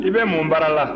i bɛ mun baara la